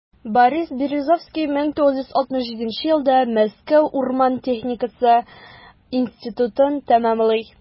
Борис Березовский 1967 елда Мәскәү урман техникасы институтын тәмамлый.